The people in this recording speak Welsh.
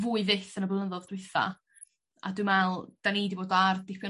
fwy fyth yn y blynyddodd dwytha' a dw me'wl 'dan ni 'di bod ar dipyn